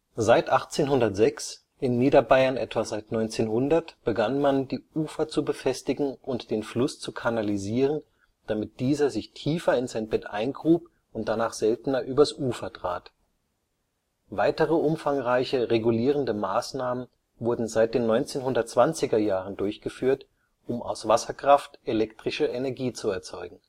Seit 1806, in Niederbayern seit etwa 1900, begann man, die Ufer zu befestigen und den Fluss zu kanalisieren, damit dieser sich tiefer in sein Bett eingrub und danach seltener übers Ufer trat. Weitere umfangreiche, regulierende Maßnahmen wurden seit den 1920er Jahren durchgeführt, um aus Wasserkraft elektrische Energie zu erzeugen